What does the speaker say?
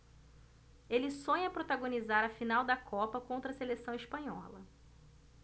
ele sonha protagonizar a final da copa contra a seleção espanhola